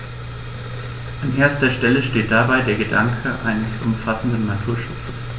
An erster Stelle steht dabei der Gedanke eines umfassenden Naturschutzes.